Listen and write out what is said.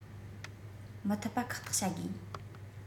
མི ཐུབ པ ཁག ཐེག བྱ དགོས